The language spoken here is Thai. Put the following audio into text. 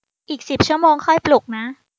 อีกสิบชั่วโมงค่อยปลุกนะ